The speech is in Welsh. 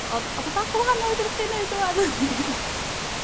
O'dd o'dd o bach yn wahanol i be' dach chi'n neud ŵan?